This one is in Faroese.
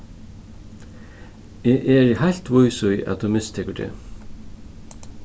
eg eri heilt vís í at tú mistekur teg